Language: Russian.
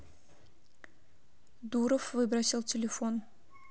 дуров выбросил телефон